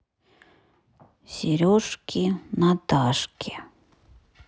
сережки наташки